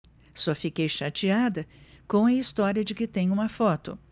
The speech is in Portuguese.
só fiquei chateada com a história de que tem uma foto